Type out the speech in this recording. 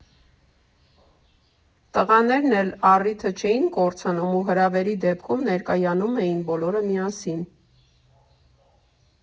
Տղաներն էլ առիթը չէին կորցնում ու հրավերի դեպքում ներկայանում էին բոլորով միասին.